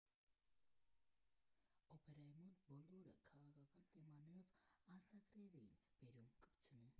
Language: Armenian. Օպերայի մոտ բոլորը քաղաքական թեմաներով ազդագրեր էին բերում֊կպցնում։